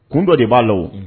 Kun dɔ de b'a la o, un